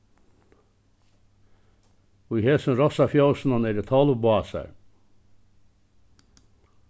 í hesum rossafjósinum eru tólv básar